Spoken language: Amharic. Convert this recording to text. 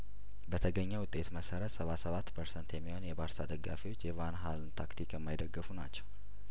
በተገኘው ውጤት መሰረት ሰባ ሰባት ፐርሰንት የሚሆን የባርሳ ደጋፊዎች የቫን ሀልን ታክቲክ የማይደግፉ ናቸው